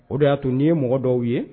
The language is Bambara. O de y'a to nin' ye mɔgɔ dɔw ye